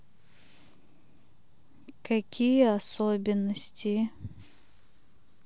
какие особенности